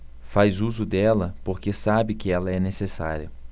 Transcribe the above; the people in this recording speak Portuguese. faz uso dela porque sabe que ela é necessária